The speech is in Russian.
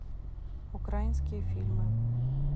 украинские фильмы